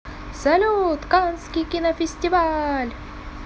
салют канский кинофестиваль